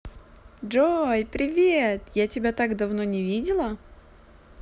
джой привет я так тебя давно не видела